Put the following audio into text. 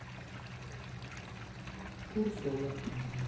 курс доллар